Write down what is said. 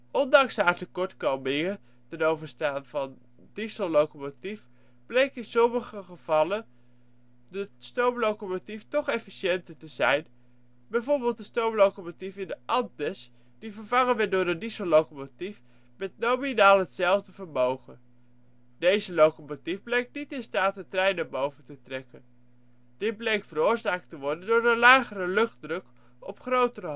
Ondanks haar tekortkomingen t.o.v. diesellocomotief bleek in sommige gevallen de stoomlocomotief toch efficiënter te zijn, bijvoorbeeld de stoomlocomotief in de Andes die vervangen werd door een diesellocomotief met nominaal hetzelfde vermogen. Deze locomotief bleek niet in staat de trein naar boven te trekken... Dit bleek veroorzaakt te worden door de lagere luchtdruk op grote hoogte